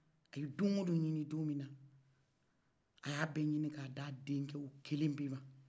a ye don wo don ɲinin don min na a y'a bɛɛ ɲinin k'a d'a denkɛw kelen pewu de ma